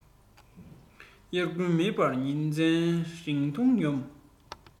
དབྱར དགུན མེད པར ཉིན མཚན རིང འཐུང སྙོམས